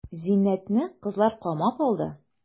Зиннәтне кызлар камап алды.